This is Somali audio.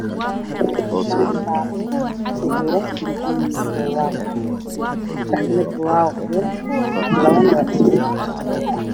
Waa shan iskifaalo waxaa kujiro buugag seddex kamida buug baa kujirto labana Waa ebar.